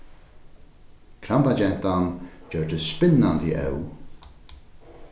krambagentan gjørdist spinnandi óð